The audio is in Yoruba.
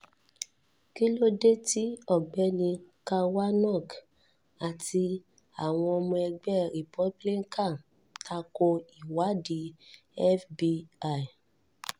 Kí ló dé tí Ọ̀gbẹ́ni Kavanaugh àti àwọn ọmọ ẹgbẹ́ Republican tako ìwádìí FBI?